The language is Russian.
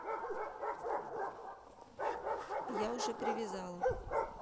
я уже привязала